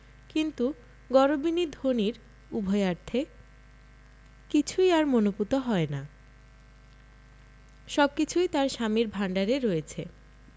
কিন্তু গরবিনী ধনীর উভয়ার্থে কিছুই আর মনঃপূত হয় না সবকিছুই তার স্বামীর ভাণ্ডারে রয়েছে